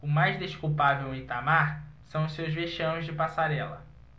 o mais desculpável em itamar são os seus vexames de passarela